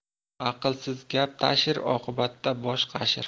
aqlsiz gap tashir oqibatda bosh qashir